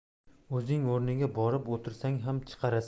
o'zing o'rniga borib o'tirsang ham chiqarasan